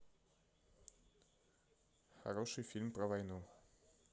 хороший фильм про войну